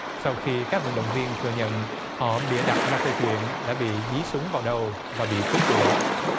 sau khi các vận động viên thừa nhận họ bịa đặt ra câu chuyện đã bị dí súng vào đầu và bị cướp của